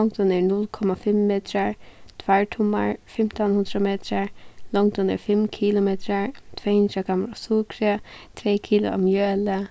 longdin er null komma fimm metrar tveir tummar fimtan hundrað metrar longdin er fimm kilometrar tvey hundrað sukri tvey kilo av mjøli